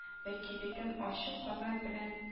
Вәкиллеген ачу, казан белән